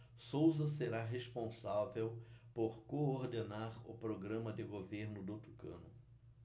souza será responsável por coordenar o programa de governo do tucano